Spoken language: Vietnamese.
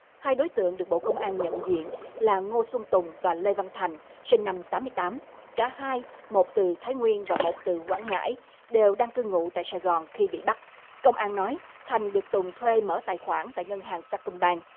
hai đối tượng được bộ công an nhận diện là ngô xuân tùng và lê văn thành sinh năm tám mươi tám cả hai một từ thái nguyên và một từ quảng ngãi đều đang cư ngụ tại sài gòn khi bị bắt công an nói thành được tùng thuê mở tài khoản tại ngân hàng sa com banh